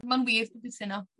Ma'n wir dwi cytuno.